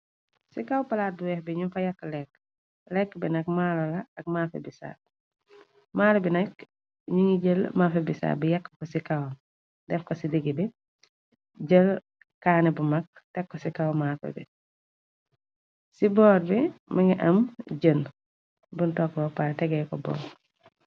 Ci kaw palaat weex bi ñu fa yak lekk. Lekk bi nak malo la ak mafe bisa , maalo bi nak ñu ngi jël manfe bisa bi yakk ko ci kawam def ko ci diggi bi, jël kaane bu mag tekko ci kaw manfe bi , ci boor bi më ngi am jën buntoko par tegee ko boo.